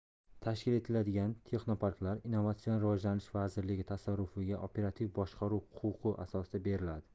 tashkil etiladigan texnoparklar innovatsion rivojlanish vazirligi tasarrufiga operativ boshqaruv huquqi asosida beriladi